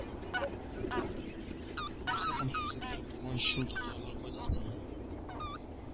Үзе һәм сүзе бер булган чын татарлар кайда соң